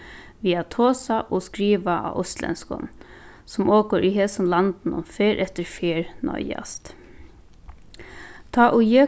við at tosa og skriva á íslendskum sum okur í hesum landinum ferð eftir ferð noyðast tá ið eg